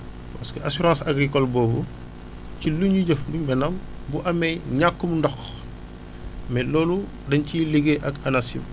parce que assurance agricole boobu ci lu ñu jëf maanaam bu amee ñàkkum ndox mais loolu dañ ciy liggéey ak ANACIM